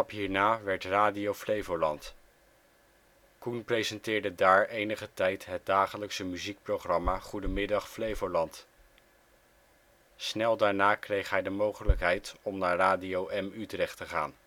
hierna werd Radio Flevoland. Coen presenteerde daar enige tijd het dagelijkse muziekprogramma Goedemiddag Flevoland. Snel daarna kreeg hij de mogelijkheid om naar Radio M Utrecht te gaan